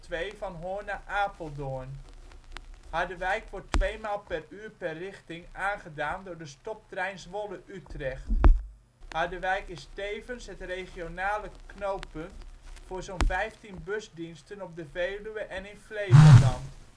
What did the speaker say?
is de N302 van Hoorn naar Apeldoorn. Harderwijk wordt twee maal per uur per richting aangedaan door de stoptrein Zwolle - Utrecht (zie ook: Centraalspoorweg). Harderwijk is tevens het regionale knooppunt voor zo 'n 15 busdiensten op de Veluwe en in Flevoland